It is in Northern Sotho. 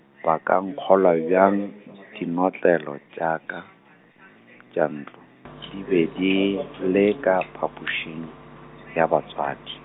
ba ka nkgolwa bjang dinotlelo tša ka, tša ntlo, di be di le ka phapošing, ya batswadi?